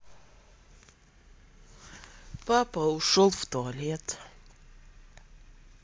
папа ушел в туалет